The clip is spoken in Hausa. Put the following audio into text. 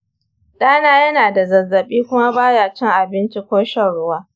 ɗana yana da zazzabi kuma baya cin abinci ko shan ruwa